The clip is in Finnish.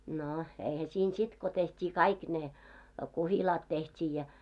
no eihän siinä sitten kun tehtiin kaikki ne kuhilaat tehtiin ja